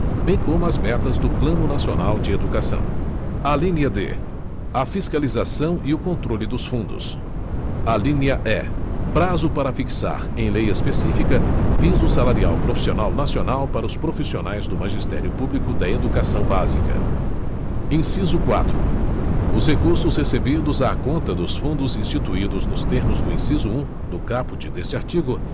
bem como as metas do plano nacional de educação alínea d a fiscalização e o controle dos fundos alínea e prazo para fixar em lei específica piso salarial profissional nacional para os profissionais do magistério público da educação básica inciso quatro os recursos recebidos à conta dos fundos instituídos nos termos do inciso um do caput deste artigo